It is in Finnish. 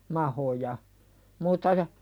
mahoja muuta ja